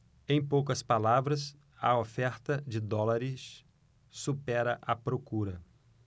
em poucas palavras a oferta de dólares supera a procura